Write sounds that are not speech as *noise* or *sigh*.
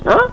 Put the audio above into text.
*hesitation*